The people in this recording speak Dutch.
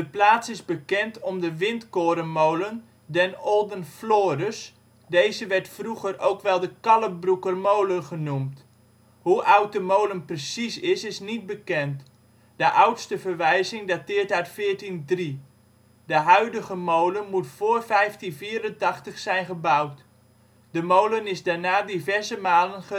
plaats is bekend om de windkorenmolen Den Olden Florus, deze werd vroeger ook wel de Callenbroecker molen genoemd. Hoe oud de molen precies is is niet bekend; de oudste verwijzing dateert uit 1403. De huidige molen moet voor 1584 zijn gebouwd. De molen is daarna diverse malen